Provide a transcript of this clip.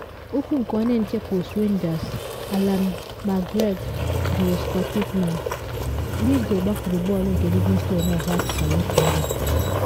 Ụkwụ nke onye nche post Rangers Allan McGregor jụrụ Scott Pittman, Lithgow gbafuru bọọlụ nke Livingston ọzọ atụsara otu ebe.